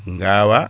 gawa